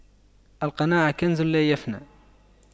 القناعة كنز لا يفنى